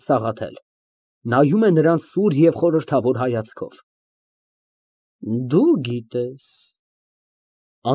ՍԱՂԱԹԵԼ ֊ (Նայում է նրան սուր և խորհրդավոր հայացքով) Դու գիտես։